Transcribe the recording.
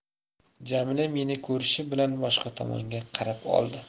jamila meni ko'rishi bilan boshqa tomonga qarab oldi